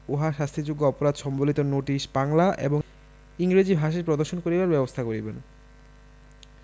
উহা শাস্তিযোগ্য অপরাধ সম্বলিত নোটিশ বাংলা এবং ইংরেজী ভাষায় প্রদর্শন করিবার ব্যবস্থা করিবেন